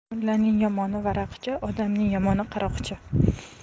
mullaning yomoni varaqchi odamning yomoni qaroqchi